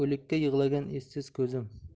o'likka yig'lagan esiz ko'zim